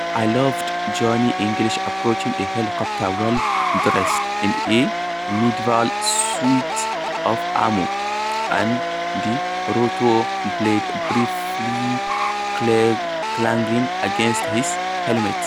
I loved Johnny English approaching a helicopter while dressed in a medieval suit of armor and the rotor blades briefly clanging against his helmet.